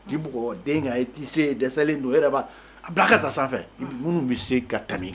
K'i bugo den ŋa ye k'i se dɛsɛlen don e yɛrɛ b'a a bila ka taa sanfɛ munnu be se ka tam'i kan